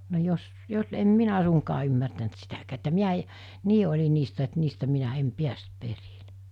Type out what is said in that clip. no jos jos en minä suinkaan ymmärtänyt sitäkään että minä - niin oli niistä että niistä minä en päässyt perille